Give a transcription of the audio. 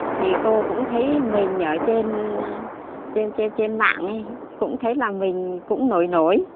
thì cô cũng thấy mình ở trên a trên trên trên mạng cũng thấy là mình cũng nổi nổi